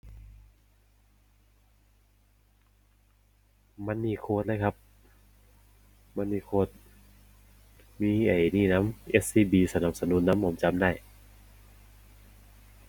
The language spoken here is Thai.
มันนี โคชเลยครับ มันนี โคช มีไอ้นี่นำ SCB สนับสนุนนำ ผมจำได้